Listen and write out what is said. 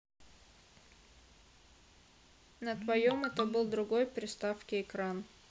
на твоем это был другой приставке экран